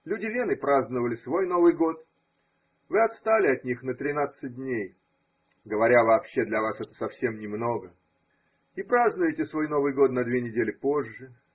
Люди Вены праздновали свой Новый год: вы отстали от них на тринадцать дней (говоря вообще, для вас это совсем немного) и празднуете свой Новый год на две недели позже.